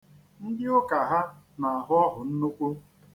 Ndị ụka ha na-ahụ ọhụ nnukwu.